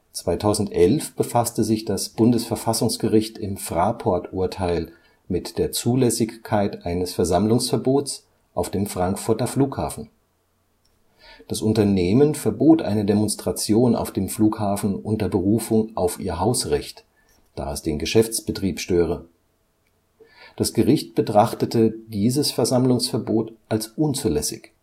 2011 befasste sich das Bundesverfassungsgericht im Fraport-Urteil mit der Zulässigkeit eines Versammlungsverbots auf dem Frankfurter Flughafen. Das Unternehmen verbot eine Demonstration auf dem Flughafen unter Berufung auf ihr Hausrecht, da es den Geschäftsbetrieb störe. Das Gericht betrachtete dieses Versammlungsverbot als unzulässig